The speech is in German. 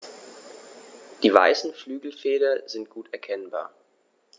Die weißen Flügelfelder sind gut erkennbar.